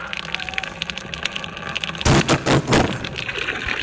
ты тупой баран